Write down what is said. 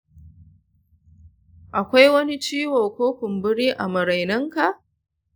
akwai wani ciwo ko kumburi a marainanka?